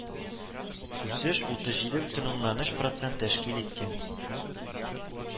Үсеш утыз җиде бөтен уннан өч процент тәшкил иткән